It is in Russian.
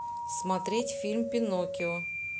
смотреть фильм пиноккио